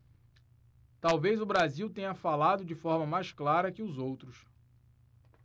talvez o brasil tenha falado de forma mais clara que os outros